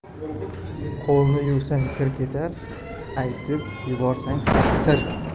qo'lni yuvsang kir ketar aytib yuborsang sir